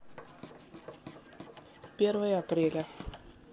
первое апреля